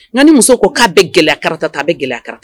N'ani muso ko k'a bɛ gɛlɛya karatata ta a bɛ gɛlɛya karata